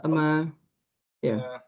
A ma'... ia.